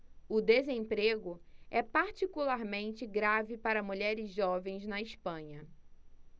o desemprego é particularmente grave para mulheres jovens na espanha